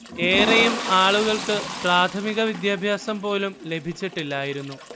ഏറെയും ആളുകൾക്ക് പ്രാഥമിക വിദ്യാഭ്യാസം പോലും ലഭിച്ചിട്ടില്ലായിരുന്നു